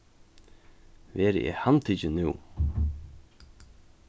verði eg handtikin nú